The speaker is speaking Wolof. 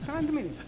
30 minutes